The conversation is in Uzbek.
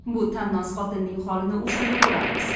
bu tannoz xotinning holini o'shanda ko'rarmiz